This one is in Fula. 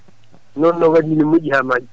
noon no waɗini ne moƴƴi haa maayi